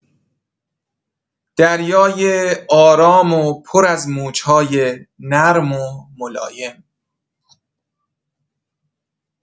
دریای آرام و پر از موج‌های نرم و ملایم